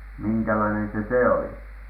minkälainen se se oli